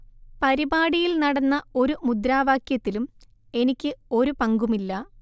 പരിപാടിയിൽ നടന്ന ഒരു മുദ്രാവാക്യത്തിലും എനിക്ക് ഒരു പങ്കുമില്ല